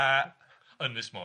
A ynys Môn.